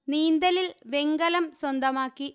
നീന്തലില് വെങ്കലം സ്വന്തമാക്കി